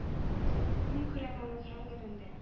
Мин күрәм аның һәр гөлендә.